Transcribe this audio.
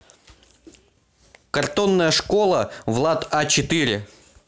картонная школа влад а четыре